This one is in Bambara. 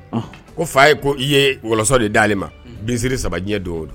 Ɔnh ko fa ye ko i yee wɔlɔsɔ de d'ale ma unhun bin siri 3 diɲɛ don o don